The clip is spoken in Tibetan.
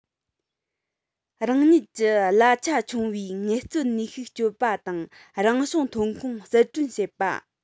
རང ཉིད ཀྱི གླ ཆ ཆུང བའི ངལ རྩོལ ནུས ཤུགས སྤྱོད པ དང རང བྱུང ཐོན ཁུངས ཟད གྲོན བྱེད པ